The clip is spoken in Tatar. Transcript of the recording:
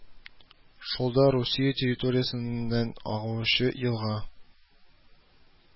Шолда Русия территориясеннән агучы елга